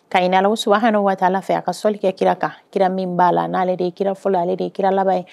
Kaɲ waati fɛ a ka soli kɛ kira kan kira min b'a la n'ale de ye kira fɔlɔ ale de ye kira laban ye